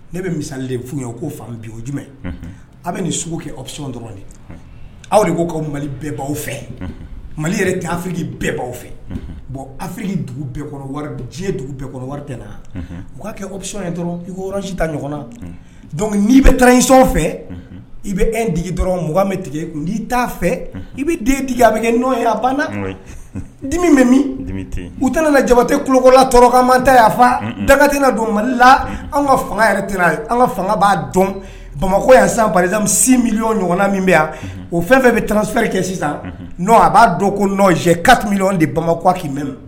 Ne bɛ misa de f ye ko bi o jumɛn aw bɛ nin kɛsɔn dɔrɔn aw de ko ka mali bɛɛbaw fɛ mali yɛrɛ tɛfiri bɛɛbaw fɛ afiri diɲɛ dugu bɛɛ wari tɛ u' kɛsɔn dɔrɔn i kosita ɲɔgɔn na donc nii bɛ taa isɔn fɛ i bɛ e d dɔrɔn mugan bɛ tigɛ kun' t'a fɛ i bɛ den tigi a bɛ kɛ n nɔn ye a banna dimi bɛ min u tɛna jabatɛ kolokɔlaɔrɔkanmata' fa dagate don mali la an ka fanga yɛrɛ an ka fanga b'a dɔn bamakɔ ya san balimamusi mili ɲɔgɔnna min bɛ yan o fɛn fɛn bɛ tsɛri kɛ sisan n'o a b'a dɔn koka de bamakɔki mɛn